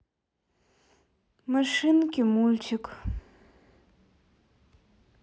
машинки мультик